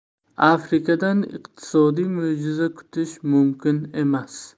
afrikadan iqtisodiy mo'jiza kutish mumkin emas